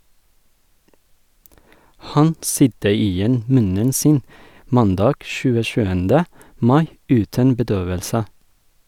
- Han sydde igjen munnen sin mandag 27. mai uten bedøvelse.